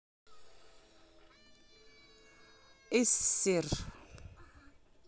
uc сир